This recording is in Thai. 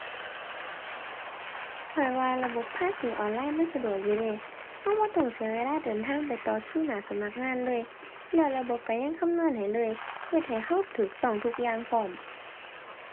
ข้อยว่าระบบภาษีออนไลน์มันสะดวกอยู่เดะ เราบ่ต้องเสียเวลาเดินทางไปต่อคิวหน้าสำนักงานเลย แล้วระบบเรายังคำนวณให้เลย เฮ็ดให้เราเราต้องทุกอย่างพร้อม